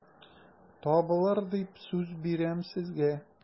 Табылыр дип сүз бирәм сезгә...